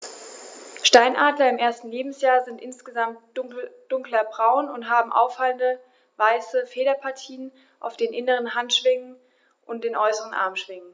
Steinadler im ersten Lebensjahr sind insgesamt dunkler braun und haben auffallende, weiße Federpartien auf den inneren Handschwingen und den äußeren Armschwingen.